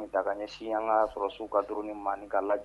Si an ka sɔrɔ su ka du ni mandeninka lajɛ